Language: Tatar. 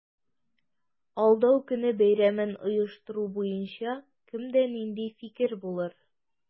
Алдау көне бәйрәмен оештыру буенча кемдә нинди фикер булыр?